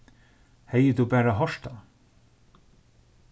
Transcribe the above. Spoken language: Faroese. hevði tú bara hoyrt hann